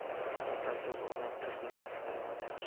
farosatsiz odamdan til bilmas hayvon yaxshi